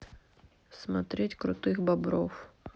смотреть крутых бобров